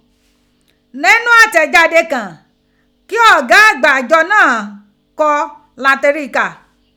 Nínú àtẹ̀jáde kan, kí ọ̀gá àgbà àjọ náà kọ lá ti ri kà.